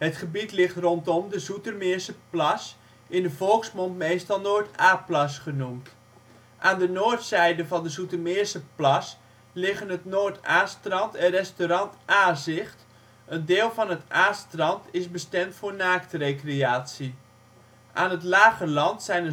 gebied ligt rondom de Zoetermeerse Plas, in de volksmond meestal Noord AA-plas genoemd. Aan de noordzijde van de Zoetermeerse plas liggen het Noord AA-strand en restaurant AA-zicht. Een deel van het AA-strand is bestemd voor naaktrecreatie. Aan het Lange Land zijn